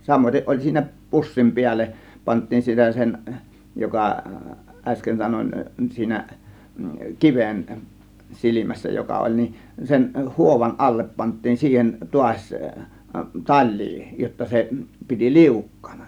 samaten oli siinä pussin päälle pantiin sitä sen joka äsken sanoin siinä kiven silmässä joka oli niin sen huovan alle pantiin siihen taas talia jotta se piti liukkaana